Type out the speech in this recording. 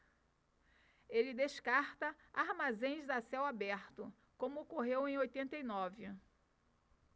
ele descarta armazéns a céu aberto como ocorreu em oitenta e nove